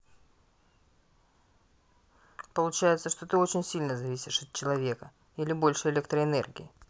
получается что ты очень сильно зависишь от человека или больше электроэнергии